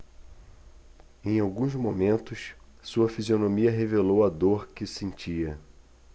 em alguns momentos sua fisionomia revelou a dor que sentia